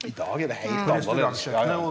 i dag er det heilt annleis ja ja.